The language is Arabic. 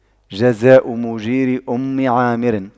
جزاء مُجيرِ أُمِّ عامِرٍ